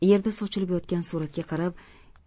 yerda sochilib yotgan suratga qarab